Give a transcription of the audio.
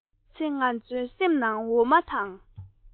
བཤད ཚེ ང ཚོའི སེམས ནང འོ མ དང